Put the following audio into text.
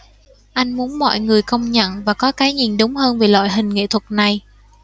anh muốn mọi người công nhận và có cái nhìn đúng hơn về loại hình nghệ thuật này